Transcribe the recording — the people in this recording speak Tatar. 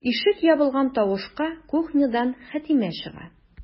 Ишек ябылган тавышка кухнядан Хәтимә чыга.